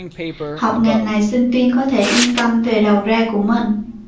học ngành này sinh viên có thể yên tâm về đầu ra của mình